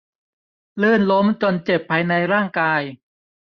ลื่นล้มจนเจ็บภายในร่างกาย